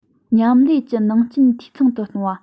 མཉམ ལས ཀྱི ནང རྐྱེན འཐུས ཚང དུ གཏོང བ